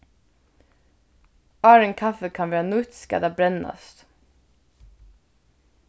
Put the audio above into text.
áðrenn kaffið kann verða nýtt skal tað brennast